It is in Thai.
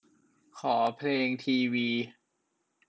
ขอเพลงทีวี